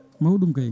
mawɗum kayi